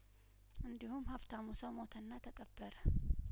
እንዲሁም ሀብታሙ ሰው ሞተና ተቀበረ